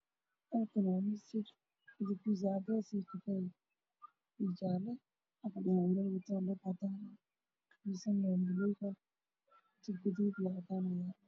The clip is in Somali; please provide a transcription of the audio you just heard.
Meeshaan waxaa joogo niman tukanayo salaad oo ku jiraan masaajidka